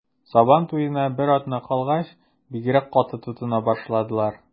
Сабан туена бер атна калгач, бигрәк каты тотына башладылар.